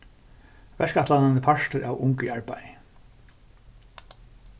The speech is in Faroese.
verkætlanin er partur av ung í arbeiði